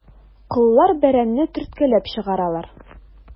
Коллар бәрәнне төрткәләп чыгаралар.